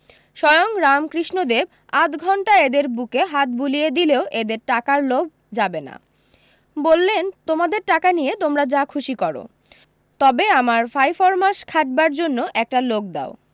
স্বয়ং রামকৃষ্ণদেব আধ ঘণ্টা এদের বুকে হাত বুলিয়ে দিলেও এদের টাকার লোভ যাবে না বললেন তোমাদের টাকা নিয়ে তোমরা যা খুশি করো তবে আমার ফাইফরমাস খাটবার জন্য একটা লোক দাও